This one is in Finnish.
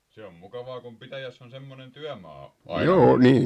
se on mukavaa kun pitäjässä on semmoinen työmaa aina ollut